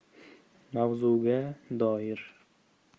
mavzuga doir